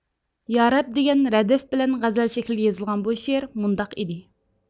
يارەب دېگەن رەدىف بىلەن غەزەل شەكلىدە يېزىلغان بۇ شېئىر مۇنداق ئىدى